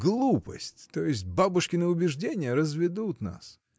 глупость, то есть бабушкины убеждения, разведут нас.